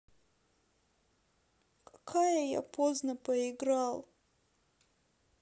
какая я поздно поиграл